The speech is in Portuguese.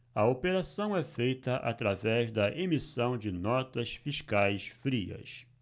a operação é feita através da emissão de notas fiscais frias